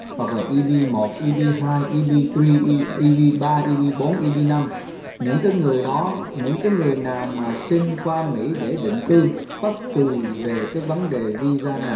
hoặc là i bi một i bi hai i bi thuy i bi ba i bi bốn i bi năm những cái người đó những cái người nào mà xin qua mỹ để định cư mắc cười về cái vấn đề visa nào